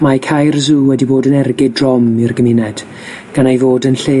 Mae cau'r sw wedi bod yn ergyd drom i'r gymuned gan ei fod yn lle